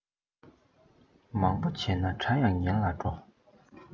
བྱམས པོ བྱས ན དགྲ ཡང གཉེན ལ འགྲོ